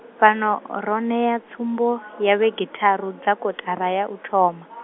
fhano, ro ṋea tsumbo, ya vhege tharu dza kotara ya u thoma.